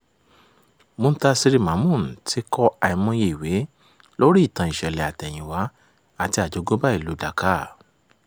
Muntasir Mamun ti kọ àìmọye ìwé lóríi ìtàn-ìṣẹ̀lẹ̀-àtẹ̀yìnwá àti àjogúnbá ìlúu Dhaka.